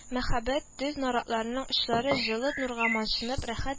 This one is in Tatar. Мәһабәт төз наратларның очлары җылы нурга манчылып, рәхәт